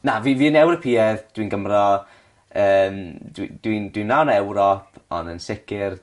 Na fi fi'n Ewropeaidd dwi'n Gymro yym dwi dwi'n dwi'n ran o ewrop on' yn sicir